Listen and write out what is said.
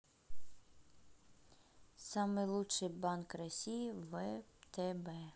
самый лучший банк россии втб